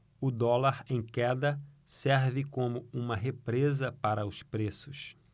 o dólar em queda serve como uma represa para os preços